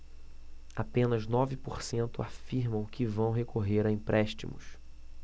apenas nove por cento afirmam que vão recorrer a empréstimos